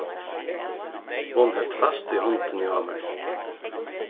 hon helt fast í hondini á mær